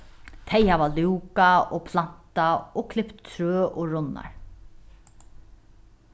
tey hava lúkað og plantað og klipt trø og runnar